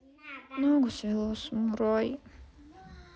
ногу свело самурай